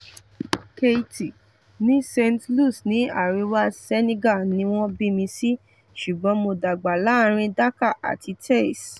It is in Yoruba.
Keyti : ní Saint-Louis ní àríwá Senegal ni wọ́n bí mi sí ṣùgbọ́n mo dàgbà láàárín Dakar àti Thiès.